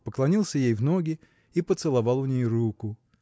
поклонился ей в ноги и поцеловал у ней руку.